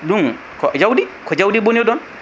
ɗum ko jawdi ko jawdi boni ɗon